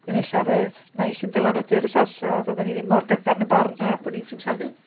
Wedyn ella fydd naill yn dylanwadu ar y llall a fyddan ni ddim mor gadarn ein barn a bod ni'n simsanu.